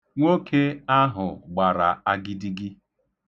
Nwoke ahụ gbara agidigi.